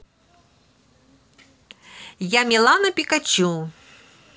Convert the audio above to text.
я милана пикачу